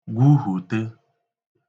gwuhùte